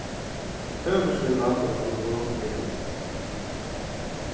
høvuðsvinnan í landinum er rík